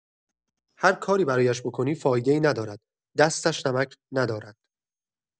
هر کاری برایش بکنی، فایده‌ای ندارد، دستش نمک ندارد.